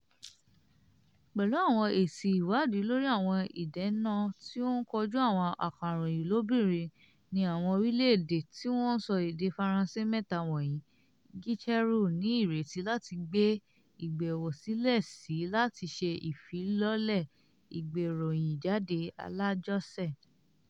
Pẹ̀lú àwọn èsì ìwádìí lórí àwọn ìdènà tí ó ń kojú àwọn akọ̀ròyìn lóbìnrin ní àwọn orílẹ́ èdè tí wọn ń sọ èdè Faransé mẹ́ta wọ̀nyí, Gicheru ní ìrètí láti gbé ìgbéowósílẹ̀ sii láti ṣe ìfilọ́lẹ̀ ìgbéròyìnjáde alájọṣe.